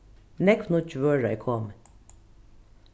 nógv nýggj vøra er komin